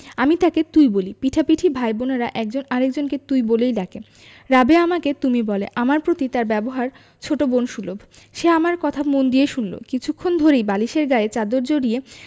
আমি তাকে তুই বলি পিঠাপিঠি ভাই বোনের একজন আরেক জনকে তুই বলেই ডাকে রাবেয়া আমাকে তুমি বলে আমার প্রতি তার ব্যবহার ছোট বোন সুলভ সে আমার কথা মন দিয়ে শুনলো কিছুক্ষণ ধরেই বালিশের গায়ে চাদর জড়িয়ে